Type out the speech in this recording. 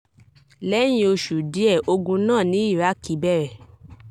Lẹ́yìn oṣù díẹ̀, The War in Iraq bẹ̀rẹ̀.